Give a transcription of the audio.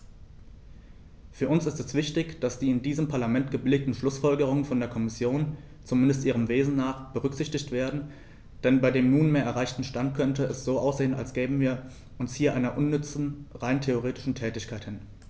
Für uns ist es wichtig, dass die in diesem Parlament gebilligten Schlußfolgerungen von der Kommission, zumindest ihrem Wesen nach, berücksichtigt werden, denn bei dem nunmehr erreichten Stand könnte es so aussehen, als gäben wir uns hier einer unnütze, rein rhetorischen Tätigkeit hin.